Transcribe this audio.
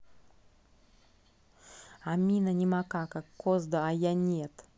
амина не макака козда а я нет